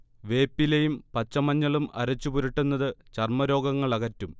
വേപ്പിലയും പച്ചമഞ്ഞളും അരച്ചു പുരട്ടുന്നത് ചർമ രോഗങ്ങളകറ്റും